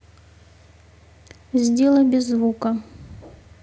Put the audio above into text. сделай без звука